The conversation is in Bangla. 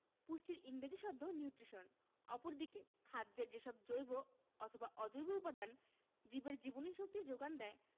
পুষ্টির ইংরেজি শব্দ নিউট্রিশন অপরদিকে খাদ্যের যেসব জৈব অথবা অজৈব উপাদান জীবের জীবনীশক্তির যোগান দেয়